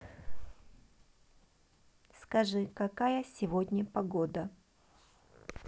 скажи какая сегодня погода